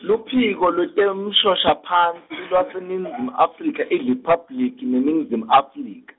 Luphiko lweTemshoshaphasi, lwaseNingizimu Afrika, IRiphabliki yeNingizimu Afrika.